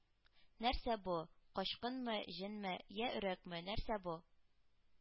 Нәрсә бу? Качкынмы, җенме? Йә өрәкме, нәрсә бу?